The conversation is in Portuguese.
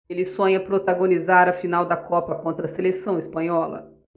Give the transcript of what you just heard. ele sonha protagonizar a final da copa contra a seleção espanhola